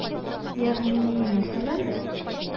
Ягъни мәсәлән?